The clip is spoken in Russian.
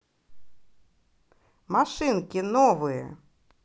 машинки новые